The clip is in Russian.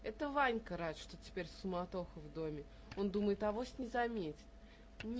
Этот Ванька рад, что теперь суматоха в доме: он думает, авось не заметят.